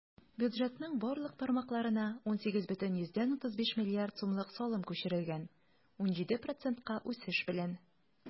Бюджетның барлык тармакларына 18,35 млрд сумлык салым күчерелгән - 17 процентка үсеш белән.